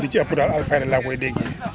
lu ci ëpp daal Alfayda laa koy déggee